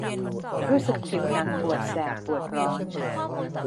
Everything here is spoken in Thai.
รู้สึกผิวหนังปวดแสบปวดร้อน